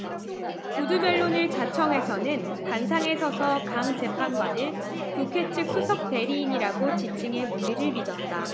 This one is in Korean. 구두변론을 자청해서는 단상에 서서 강 재판관을 국회 측 수석대리인이라고 지칭해 물의를 빚었다